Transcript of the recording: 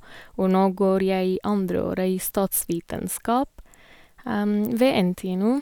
Og nå går jeg andre året i statsvitenskap ved NTNU.